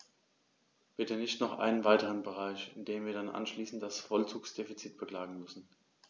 Bitte nicht noch einen weiteren Bereich, in dem wir dann anschließend das Vollzugsdefizit beklagen müssen.